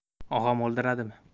og'am o'ldilarmi